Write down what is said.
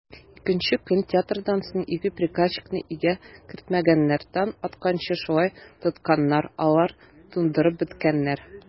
Өченче көн театрдан соң ике приказчикны өйгә кертмәгәннәр, таң атканчы шулай тотканнар, аларны туңдырып бетергәннәр.